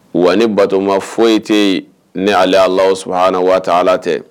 Wa ni batoma foyi tɛ yen ni ale Alahu subahana wataala tɛ